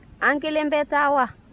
an kelen bɛ taa wa